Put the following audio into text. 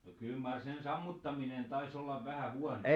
no kyllä mar sen sammuttaminen taisi olla vähän huonoa